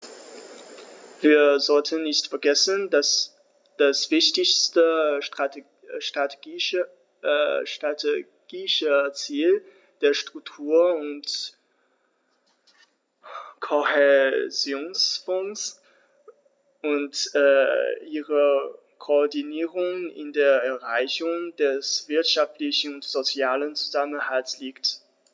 Wir sollten nicht vergessen, dass das wichtigste strategische Ziel der Struktur- und Kohäsionsfonds und ihrer Koordinierung in der Erreichung des wirtschaftlichen und sozialen Zusammenhalts liegt.